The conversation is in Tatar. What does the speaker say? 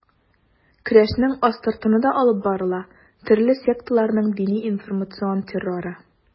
Көрәшнең астыртыны да алып барыла: төрле секталарның дини-информацион терроры.